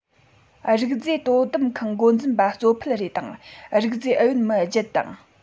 རིག རྫས དོ དམ ཁང འགོ འཛིན པ གཙོ ཕལ རེ དང རིག རྫས ཨུ ཡོན མི བརྒྱད དང